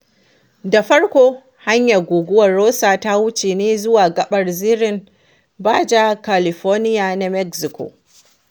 Da farko, hanyar Guguwar Rosa ta wuce ne zuwa gaɓar zirin Baja California na Mexico.